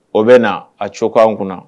O bɛ na a cogokanan kunna